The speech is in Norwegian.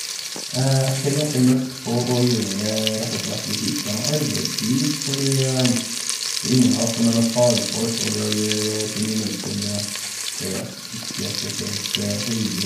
Jeg ser ganske mørkt på å gjøre det, rett og slett, hvis vi ikke har noe arbeidslys, fordi det er ingen av oss som er noe fagfolk, og det å gjøre ting i mørke, det er sp ikke spesielt heldig.